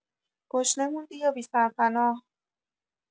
گشنه موندی یا بی‌سرپناه؟